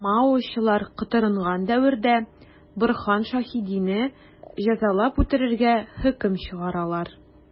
Маочылар котырынган дәвердә Борһан Шәһидине җәзалап үтерергә хөкем чыгаралар.